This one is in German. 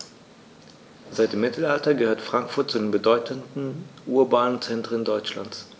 Seit dem Mittelalter gehört Frankfurt zu den bedeutenden urbanen Zentren Deutschlands.